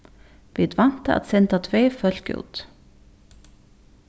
vit vænta at senda tvey fólk út